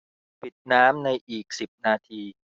ปิดน้ำในอีกสิบนาที